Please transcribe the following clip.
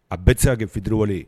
A bɛɛ se' kɛ fitiriwale ye